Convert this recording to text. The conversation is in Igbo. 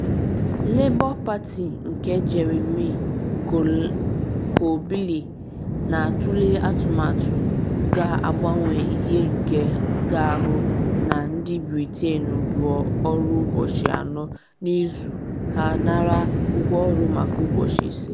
Labour Party nke Jeremy Corbyn na-atule atụmatụ ga-agbanwe ihe nke ga-ahụ na ndị Britain rụọ ọrụ ụbọchị anọ n’izu ha anara ụgwọ ọrụ maka ụbọchị ise.